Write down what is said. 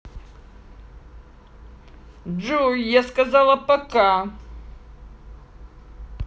джой я сказала пока